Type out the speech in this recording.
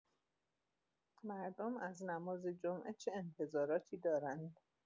مردم از نمازجمعه چه انتظاراتی دارند؟